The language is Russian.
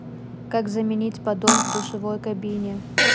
как заменить поддон в душевой кабине